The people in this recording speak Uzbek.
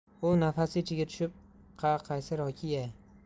u nafasi ichiga tushib qa qaysi rokiya